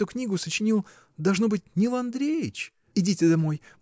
Эту книгу сочинил, должно быть, Нил Андреич. — Идите домой!